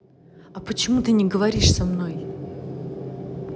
а почему ты не говоришь со мной